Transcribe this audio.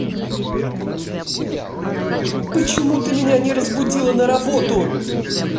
почему ты меня не разбудила на работу